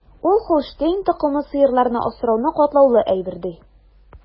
Ул Һолштейн токымлы сыерларны асрауны катлаулы әйбер, ди.